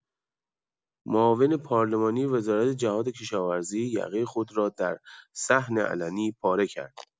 معاون پارلمانی وزارت جهادکشاورزی یقه خود را در صحن علنی پاره کرد.